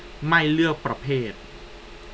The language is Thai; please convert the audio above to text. ไม่เลือกประเภท